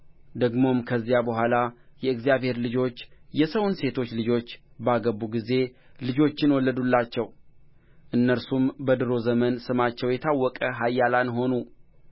ደግሞም ከዚያ በኋላ የእግዚአብሔር ልጆች የሰውን ሴቶች ልጆች ባገቡ ጊዜ ልጆችን ወለዱላቸው እነርሱም በዱሮ ዘመን ስማቸው የታወቀ ኃያላን ሆኑ